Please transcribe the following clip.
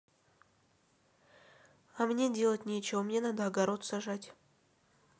а мне делать нечего мне надо огород сажать